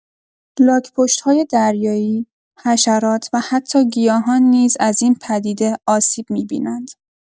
لاک‌پشت های دریایی، حشرات و حتی گیاهان نیز از این پدیده آسیب می‌بینند.